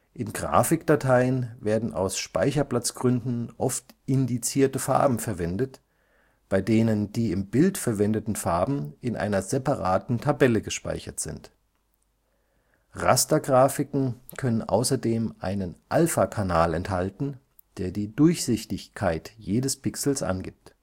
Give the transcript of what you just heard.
In Grafikdateien werden aus Speicherplatzgründen oft indizierte Farben verwendet, bei denen die im Bild verwendeten Farben in einer separaten Tabelle gespeichert sind. Rastergrafiken können außerdem einen Alphakanal enthalten, der die „ Durchsichtigkeit “jedes Pixels angibt